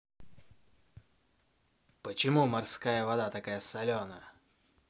почему морская вода такая соленая